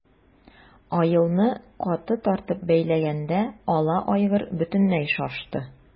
Аелны каты тартып бәйләгәндә ала айгыр бөтенләй шашты.